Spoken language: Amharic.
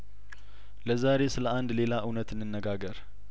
ለዛሬ ስለአንድ ሌላ እውነት እንነጋገር